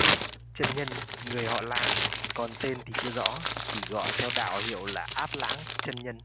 chân nhân người họ la còn tên thì chưa rõ chỉ gọi theo đạo hiệu là áp lãng chân nhân